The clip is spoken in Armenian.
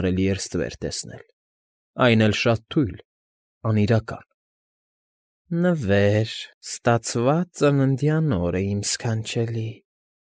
Կարելի էր ստվեր տեսնել, այն էլ շատ թույլ, անիրական։ ֊ Նվեր, ս֊ս֊ստացած ծննդյան օրը, իմ ս֊ս֊սքանչելի։